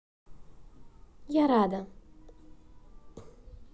я рада